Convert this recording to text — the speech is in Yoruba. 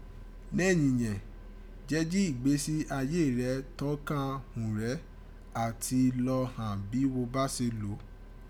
Nẹ́yìn yẹ̀n, jẹ́ jí ìgbésí ayé rẹ tọ̀n ka ghùn rẹ́ áti lò ghán bí wo bá se lè lò ó.